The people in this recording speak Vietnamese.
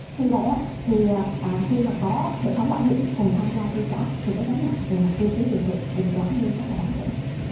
vì vậy á thì à khi mà có hệ thống bảo hiểm cùng tham gia chi trả thì cái gánh nặng về mặt chi phí điều trị được giảm đi rất là đáng kể